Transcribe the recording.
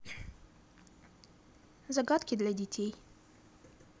загадки для детей